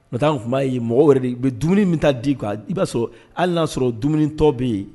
N taa tun b'a ye mɔgɔ yɛrɛ bɛ dumuni min taa di kuwa i b'a sɔrɔ hali y'a sɔrɔ dumunitɔ bɛ yen